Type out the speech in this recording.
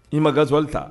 I ma gasoil ta